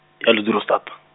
ya Leeudoringstad.